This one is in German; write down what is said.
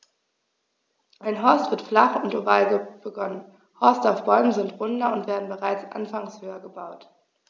Ein Horst wird flach und oval begonnen, Horste auf Bäumen sind runder und werden bereits anfangs höher gebaut.